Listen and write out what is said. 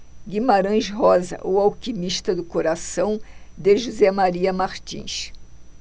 guimarães rosa o alquimista do coração de josé maria martins